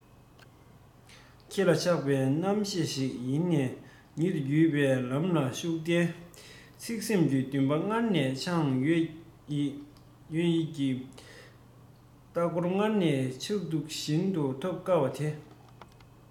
ཁྱེད ལ ཆགས པའི རྣམ ཤེས ཤིག ཉིན ནས ཉིན དུ རྒུད པའི ལམ ལ ཞུགས གཏན ཚིགས སེམས ཀྱི འདུན པ སྔར ནས བཅངས ཡོད ཡིད ཀྱི སྟ གོན སྔར ནས བྱས འདུག ཤིན ཏུ ཐོབ དཀའ བ དེ